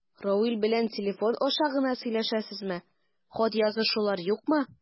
Равил белән телефон аша гына сөйләшәсезме, хат язышулар юкмы?